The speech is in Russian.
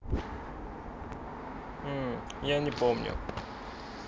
я не помню